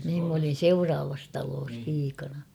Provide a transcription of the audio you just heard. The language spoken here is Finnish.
niin minä olin seuraavassa talossa piikana